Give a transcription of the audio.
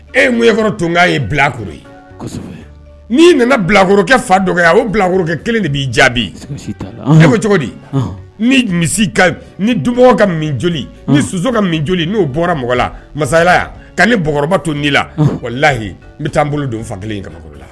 Ekɔrɔ tun'a ye bilakoro ye n'i nana bilakorokɛ fa dɔgɔ a ko bilakorokɛ kelen de b'i jaabi cogodi misi ni du ka ni su ka jolioli n'u bɔra mɔgɔ la masayaya ka nikɔrɔba to di'i la layi n bɛ taa n bolo don fa kelen kaba la